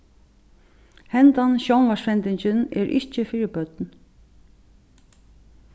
hendan sjónvarpssendingin er ikki fyri børn